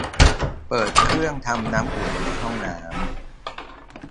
เปิดเครื่องทำน้ำอุ่นในห้องน้ำ